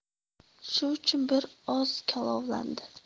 shu uchun bir oz kalovlandi